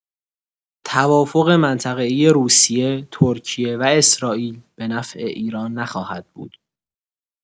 توافق منطقه‌ای روسیه، ترکیه و اسرائیل به نفع ایران نخواهد بود.